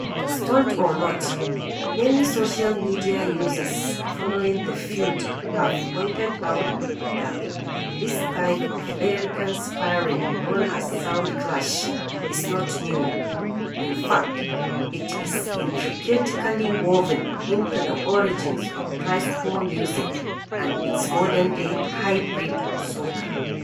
Stunt or not, many social media users following the feud have pointed out that this type of lyrical sparring (known as a "sound clash") is not new; in fact, it is intricately woven into the origins of calypso music, and its modern-day hybrid, soca.